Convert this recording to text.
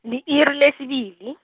li-iri lesibili.